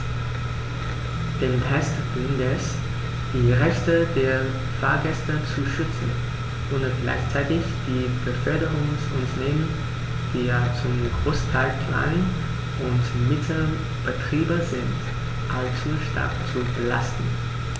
Dem Text gelingt es, die Rechte der Fahrgäste zu schützen, ohne gleichzeitig die Beförderungsunternehmen - die ja zum Großteil Klein- und Mittelbetriebe sind - allzu stark zu belasten.